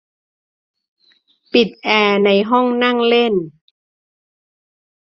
ปิดแอร์ในห้องนั่งเล่น